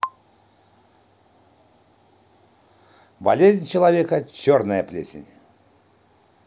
болезнь человека черная плесень